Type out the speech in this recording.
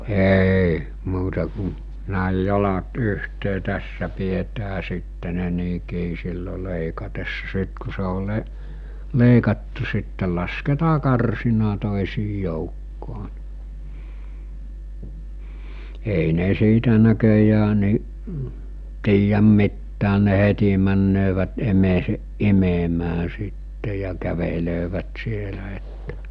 ei muuta kuin näin jalat yhteen tässä pidetään sitten ne niin kiinni silloin leikatessa sitten kun se on - leikattu sitten lasketaan karsinan toisien joukkoon ei ne siitä näköjään niin tiedä mitään ne heti menevät emäänsä imemään sitten ja kävelevät siellä että